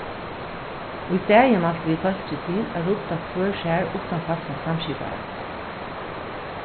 ístaðin mæltu vit fólki til at rudda hvør sær uttan fastan samskipara